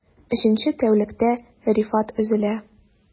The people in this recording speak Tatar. Өченче тәүлектә Рифат өзелә...